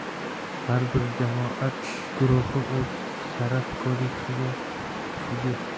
har bir jamoat guruhi o'z sharaf kodeksiga ega